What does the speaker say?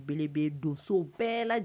Bele bɛ donso bɛɛ